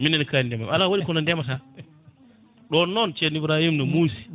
minenne ko kaani ndemanmi ala waɗi kono ndeemata ɗon noon ceero Ibrihima ne muusi